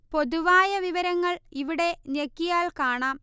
പൊതുവായ വിവരങ്ങൾ ഇവിടെ ഞെക്കിയാൽ കാണാം